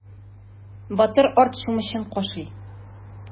Батыр арт чүмечен кашый.